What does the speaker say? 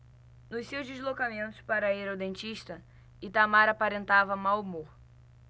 nos seus deslocamentos para ir ao dentista itamar aparentava mau humor